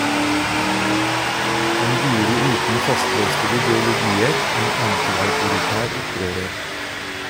En guru uten fastlåste ideologier, en antiautoritær opprører.